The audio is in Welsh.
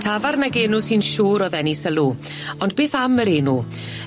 Tafarn ag enw sy'n siŵr o ddeni sylw ond beth am yr enw?